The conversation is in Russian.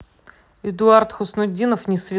эдуард хуснутдинов не святой на татарском языке